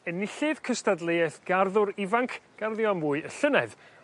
...enillydd cystadleuaeth garddwr ifanc garddio mwy y llynedd